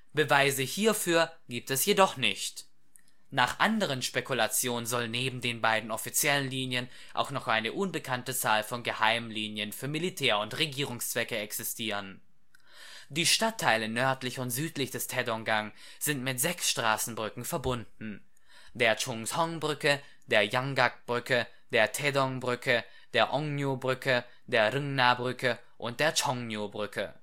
Beweise hierfür gibt es jedoch nicht. Nach anderen Spekulationen soll neben den beiden offiziellen Linien auch noch eine unbekannte Zahl von geheimen Linien für Militär - und Regierungszwecke existieren. Die Stadtteile nördlich und südlich des Taedong-gang sind mit sechs Straßenbrücken verbunden, der Chungsong-Brücke, der Yanggak-Brücke, der Taedong-Brücke, der Okryu-Brücke, der Rungna-Brücke und der Chongnyu-Brücke